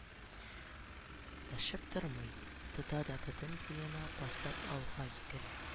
Ләшеп тормый, тота да бөтен буена басып алга йөгерә